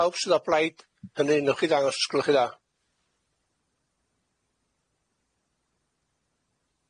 Pawb sydd â blaid, hynny newch chi ddangos, gwelwch chi dda.